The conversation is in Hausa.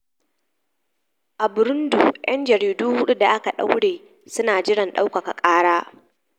A Burundi, 'yan jaridu huɗu da aka ɗaure suna jiran ɗaukaka ƙara